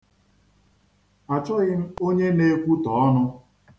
Achọghị m onye na-ekwutọ ọnụ.